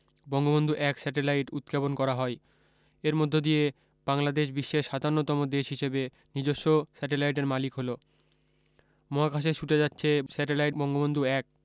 Bangabandhu ১ satellite উৎক্ষেপণ করা হয় এর মধ্য দিয়ে বাংলাদেশ বিশ্বের ৫৭তম দেশ হিসেবে নিজস্ব স্যাটেলাইটের মালিক হলো মহাকাশে ছুটে যাচ্ছে স্যাটেলাইট বঙ্গবন্ধু ১